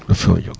daf fi war a jóg